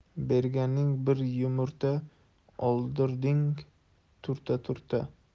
berganing bir yumurta o'ldirding turta turta